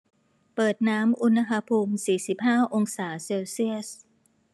เปิดน้ำอุณหภูมิสี่สิบห้าองศาเซลเซียส